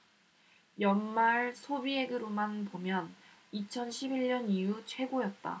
연말 소비액으로만 보면 이천 십 일 년 이후 최고였다